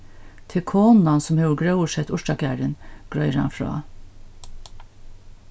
tað er konan sum hevur gróðursett urtagarðin greiðir hann frá